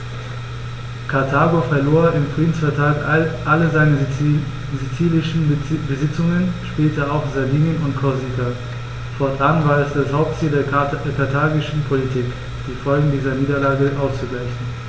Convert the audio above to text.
Karthago verlor im Friedensvertrag alle seine sizilischen Besitzungen (später auch Sardinien und Korsika); fortan war es das Hauptziel der karthagischen Politik, die Folgen dieser Niederlage auszugleichen.